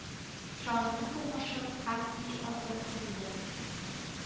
Шагыйрьнең тормышын һәм иатын төрле